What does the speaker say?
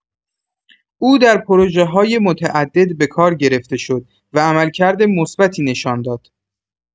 او در پروژه‌های متعدد به کار گرفته شد و عملکرد مثبتی نشان داد.